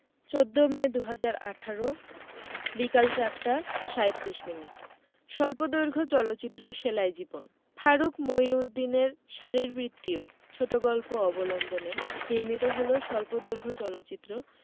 ১৪মে ২০১৮ বিকেল ৪ টা ৩৭ মিনিট স্বল্পদৈর্ঘ্য চলচ্চিত্র সেলাই জীবন ফারুক মইনউদ্দিনের শরীরবৃত্তীয় ছোট গল্প অবলম্বনে নির্মিত হল স্বল্পদৈর্ঘ্য চলচ্চিত্র